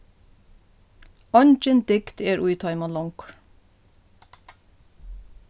eingin dygd er í teimum longur